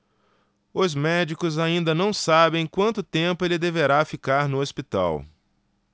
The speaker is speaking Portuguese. os médicos ainda não sabem quanto tempo ele deverá ficar no hospital